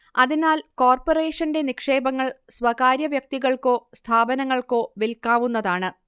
അതിനാൽ കോർപ്പറേഷന്റെ നിക്ഷേപങ്ങൾ സ്വകാര്യവ്യക്തികൾക്കോ സ്ഥാപനങ്ങൾക്കോ വിൽക്കാവുന്നതാണ്